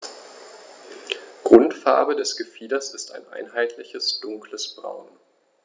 Grundfarbe des Gefieders ist ein einheitliches dunkles Braun.